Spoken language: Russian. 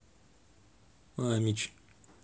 амич